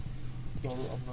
gàncax yépp a ko soxla